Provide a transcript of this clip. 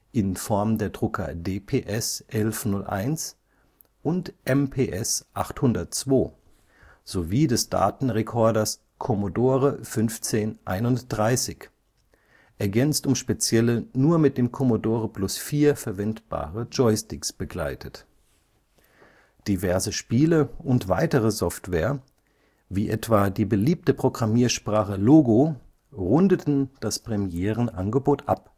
in Form der Drucker DPS 1101 und MPS 802 sowie des Datenrekorders Commodore 1531, ergänzt um spezielle nur mit dem Commodore Plus/4 verwendbare Joysticks begleitet. Diverse Spiele und weitere Software, wie etwa die beliebte Programmiersprache Logo, rundeten das Premierenangebot ab